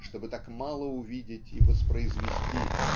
чтобы так мало увидеть и воспроизвести